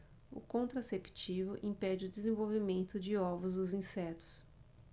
o contraceptivo impede o desenvolvimento de ovos dos insetos